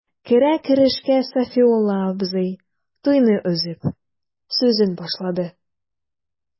Керә-керешкә Сафиулла абзый, туйны өзеп, сүзен башлады.